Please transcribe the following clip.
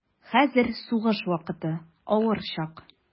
Хәзер сугыш вакыты, авыр чак.